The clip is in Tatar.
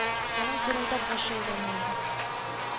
Аның зырылдап башы әйләнә иде